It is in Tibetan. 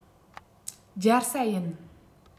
རྒྱལ ས ཡིན